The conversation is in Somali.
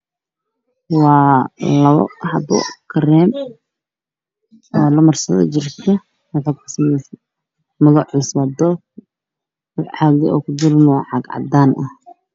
Waaa labo xabo oo kareen ah oo lamarsado jirka makaciisa waa doof caaga nah waa cadan